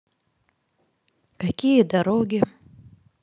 какие дороги